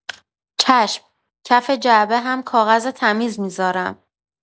چشم، کف جعبه هم کاغذ تمیز می‌ذارم.